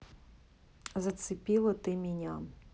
зацепила ты меня